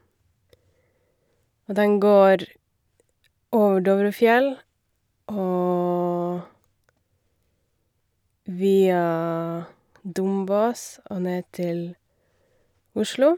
Og den går over Dovrefjell og via Dombås, og ned til Oslo.